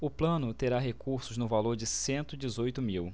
o plano terá recursos no valor de cento e dezoito mil